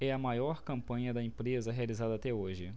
é a maior campanha da empresa realizada até hoje